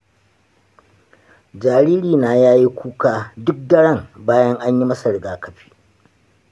jaririna ya yi kuka duk daren bayan an yi masa rigakafi.